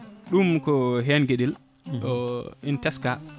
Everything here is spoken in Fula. ɗum ko hen gueɗel ina teska